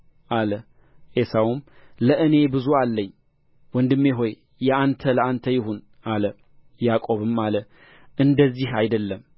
አለ ዔሳውም ለእኔ ብዙ አለኝ ወንድሜ ሆይ የአንተ ለአንተ ይሁን አለ ያዕቆብም አለ እንደዚህ አይደለም